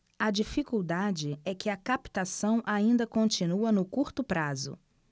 a dificuldade é que a captação ainda continua no curto prazo